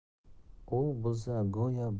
u bo'lsa go'yo